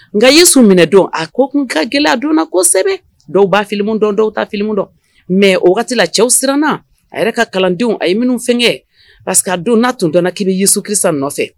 Nka ye su minɛ don a ko kun ka gɛlɛ a donnana kɔ kosɛbɛ dɔw' filimu dɔn dɔw ta filimu dɔn mɛ o waati wagati la cɛw siranna a yɛrɛ ka kalandenw a ye minnufɛn kɛ parce que a donnana tun donnana k ye su kisa nɔfɛ